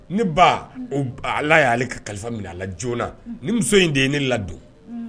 Ne ba a la'ale ka kalifa minɛ a la joonana ni muso in de ye ne ladon